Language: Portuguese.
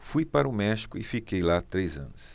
fui para o méxico e fiquei lá três anos